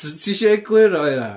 so ti isio egluro hynna?